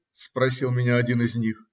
- спросил меня один из них.